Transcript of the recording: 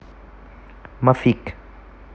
мафик